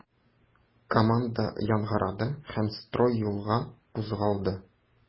Команда яңгырады һәм строй юлга кузгалды.